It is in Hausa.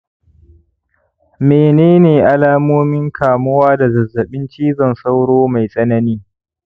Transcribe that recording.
mene ne alamomin kamuwa da zazzaɓin cizon sauro mai tsanani